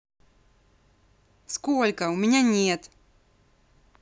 сколько у меня нет